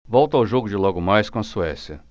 volto ao jogo de logo mais com a suécia